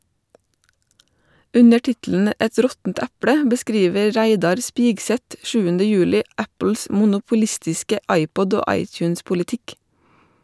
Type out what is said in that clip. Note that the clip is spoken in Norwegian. Under tittelen "Et råttent eple" beskriver Reidar Spigseth 7. juli Apples monopolistiske iPod- og iTunes-politikk.